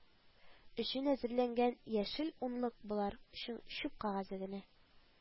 Өчен әзерләнгән яшел унлык болар өчен чүп кәгазе генә